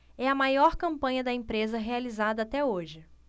é a maior campanha da empresa realizada até hoje